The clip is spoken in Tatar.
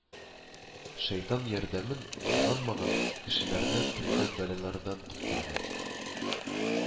Шәйтан ярдәмен кызганмаган, кешеләрне төрле бәлаләрдән коткарган